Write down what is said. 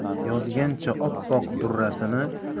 yozgancha oppoq durrasini